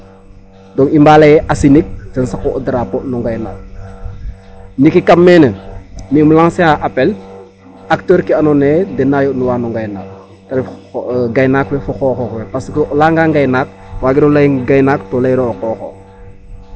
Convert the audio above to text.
Donc i mba lay ee a sinig ten saqu o Drapeau no ngaynaak ndiiki kam mene um lancer a appel acteur ke andoona yee den na yo'nuwaa no ngaynaak a ref gaynaak we fo xooxoox we parce que o layanga ngaynaak waagiro lay ee gaynaak to layiro o qooxoox .